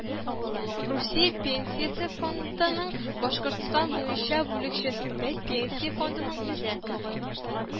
Русия Пенсиясе фондының Башкортстан буенча бүлекчәсендә Пенсия фондының Үзәк